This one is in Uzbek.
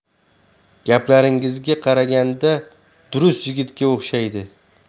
gaplaringizga qaraganda durust yigitga o'xshaydi